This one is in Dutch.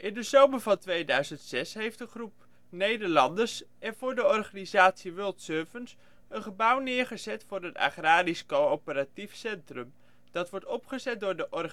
de zomer van 2006 heeft een groep Nederlanders er voor de organisatie World Servants een gebouw neergezet voor een agrarisch coöperatief centrum, dat wordt opgezet door de organisatie MCCH